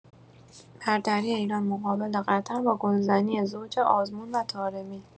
برتری ایران مقابل قطر با گلزنی زوج آزمون و طارمی